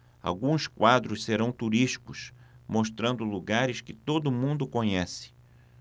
alguns quadros serão turísticos mostrando lugares que todo mundo conhece